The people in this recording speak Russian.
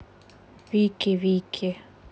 вики вики